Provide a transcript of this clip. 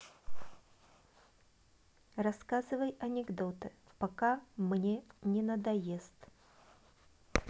рассказывай анекдоты пока мне не надоест